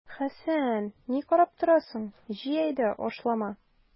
Хәсән, ни карап торасың, җый әйдә ашлама!